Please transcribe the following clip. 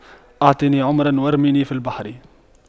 اعطني عمرا وارميني بالبحر